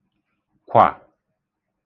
kwà